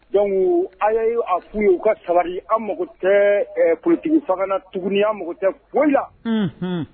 Dɔnku a y'' a fuu ye u ka sabaliri an tɛ ptigiw fanga na tuguni an mago tɛ boli la